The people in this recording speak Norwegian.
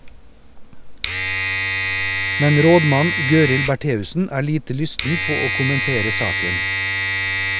Men rådmann Gøril Bertheussen er lite lysten på å kommentere saken.